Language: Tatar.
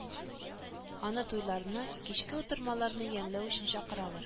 Аны туйларны, кичке утырмаларны ямьләү өчен чакыралар